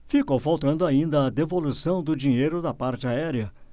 ficou faltando ainda a devolução do dinheiro da parte aérea